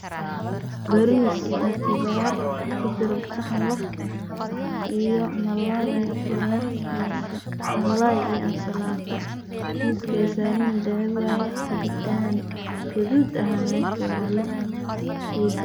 Waa bariis iyo qudaartiisa